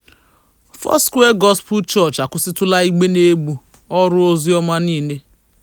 Foursquare Gospel Church akwusịtụla Igbenegbu "ọrụ oziọma niile".